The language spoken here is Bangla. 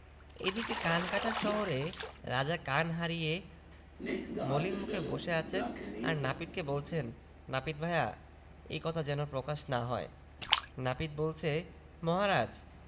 এদিকে কানকাটা শহরে রাজা কান হারিয়ে মলিন মুখে বসে আছেন আর নাপিতকে বলছেন নাপিত ভায়া এ কথা যেন প্রকাশ না হয় নাপিত বলছে মহারাজ